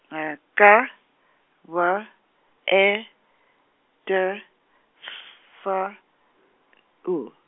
K, W, E, T, f- F, U.